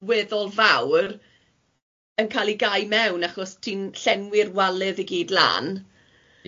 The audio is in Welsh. Weddol fawr yn cael ei gau mewn achos ti'n llenwi'r waledd i gyd lan.